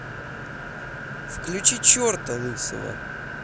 включи черта лысого